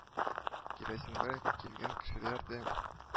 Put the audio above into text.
Керосинга килгән кешеләр дә